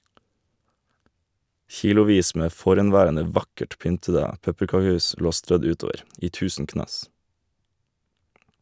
Kilovis med forhenværende vakkert pyntede pepperkakehus lå strødd utover - i tusen knas.